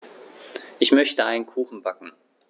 Ich möchte einen Kuchen backen.